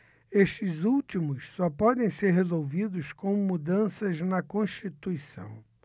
estes últimos só podem ser resolvidos com mudanças na constituição